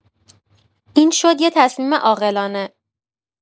این شد یه تصمیم عاقلانه.